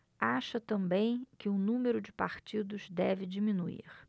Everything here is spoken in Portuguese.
acha também que o número de partidos deve diminuir